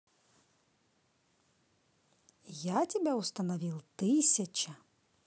я тебя установил тысяча